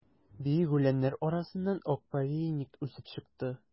Биек үләннәр арасыннан ак повейник үсеп чыкты.